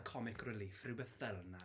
The comic relief rhywbeth fel 'na.